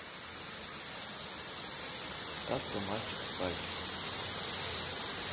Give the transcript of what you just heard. сказка мальчик с пальчик